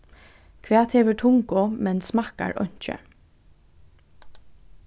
hvat hevur tungu men smakkar einki